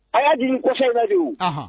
A y'a di kɔ kosɛbɛbali